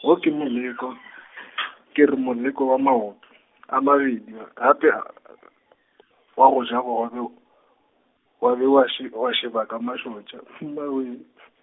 wo ke moleko , ke re moleko wa maoto, a mabedi ga- gape , wa go ja bogobe, wa be wa še-, wa šeba ka mašotša Mmawee.